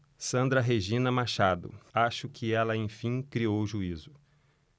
sandra regina machado acho que ela enfim criou juízo